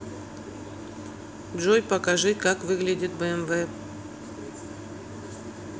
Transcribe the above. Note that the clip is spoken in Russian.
джой покажи как выглядит бмв